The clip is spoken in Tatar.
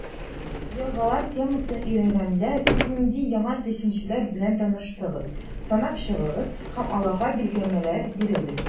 «елгалар» темасын өйрәнгәндә, сез нинди яңа төшенчәләр белән таныштыгыз, санап чыгыгыз һәм аларга билгеләмәләр бирегез.